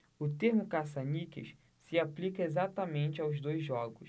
o termo caça-níqueis se aplica exatamente aos dois jogos